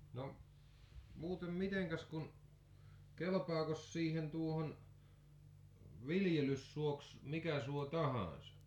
no muuten mitenkäs kun kelpaakos siihen tuohon viljelyssuoksi mikä suo tahansa